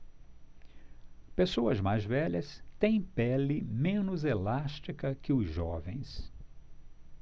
pessoas mais velhas têm pele menos elástica que os jovens